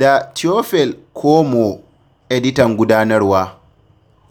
da Théophile Kouamouo, editan gudanarwa.